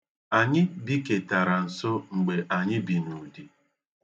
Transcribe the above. Anyị biketara ha nso mgbe anyị bi n'Udi.